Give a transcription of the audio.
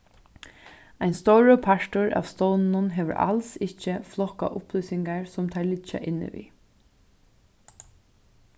ein stórur partur av stovnunum hevur als ikki flokkað upplýsingar sum teir liggja inni við